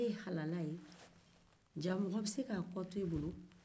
e ye halaha le jaa mɔgɔ bɛ se k'a kɔ to e bolo